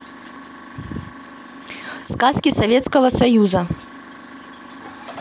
сказки советского союза